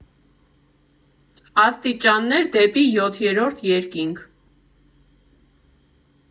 Աստիճաններ դեպի յոթերորդ երկինք։